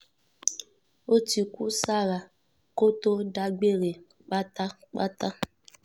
Ó ti kú sára kó tó dágbére pátápátá.